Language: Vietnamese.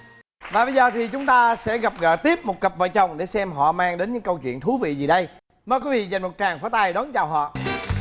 và bây giờ thì chúng ta sẽ gặp gỡ tiếp một cặp vợ chồng để xem họ mang đến những câu chuyện thú vị gì đây mời quý vị dành một tràng pháo tay đón chào họ